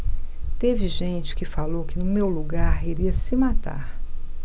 teve gente que falou que no meu lugar iria se matar